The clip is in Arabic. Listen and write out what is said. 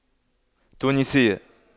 تونسية